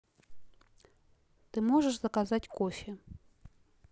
ты можешь заказать кофе